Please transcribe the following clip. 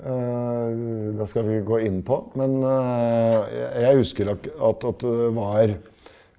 det skal vi gå inn på, men jeg husker at det var.